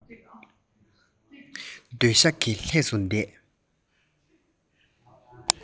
སྡོད ཤག གི ལྷས སུ བསྡད